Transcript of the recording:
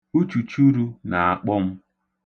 Uchuchuru na-akpọ m.